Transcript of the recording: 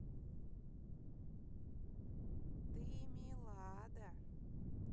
ты милада